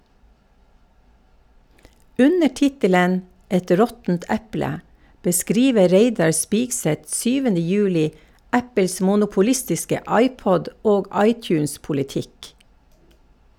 Under tittelen "Et råttent eple" beskriver Reidar Spigseth 7. juli Apples monopolistiske iPod- og iTunes-politikk.